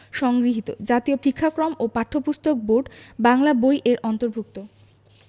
সংগৃহীত জাতীয় শিক্ষাক্রম ও পাঠ্যপুস্তক বোর্ড বাংলা বই এর অন্তর্ভুক্ত